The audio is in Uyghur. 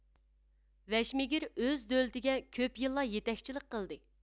ۋەشمېگىر ئۆز دۆلىتىگە كۆپ يىللار يېتەكچىلىك قىلدى